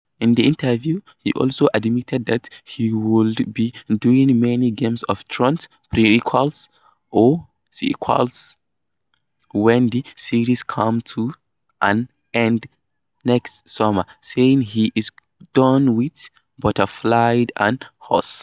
In the interview he also admitted that he wouldn't be doing any Game of Thrones prequels or sequels when the series comes to an end next summer, saying he is 'done with battlefields and horses'.